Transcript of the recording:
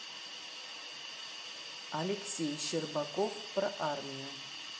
алексей щербаков про армию